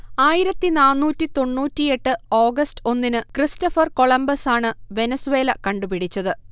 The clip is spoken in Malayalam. ആയിരത്തി നാന്നൂറ്റി തൊണ്ണൂറ്റിയെട്ട് ഓഗസ്റ്റ് ഒന്നിനു ക്രിസ്റ്റഫർ കൊംളമ്പസാണു വെനസ്വേല കണ്ടുപിടിച്ചത്